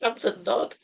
Am syndod!